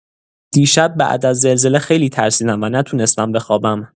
دیشب بعد از زلزله خیلی ترسیدم و نتونستم بخوابم.